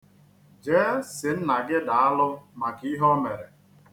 Jee sị nna gị daalụ maka ihe ọ mere.